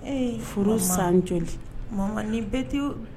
Ee furu san jɔ mama ni bɛɛ tɛwu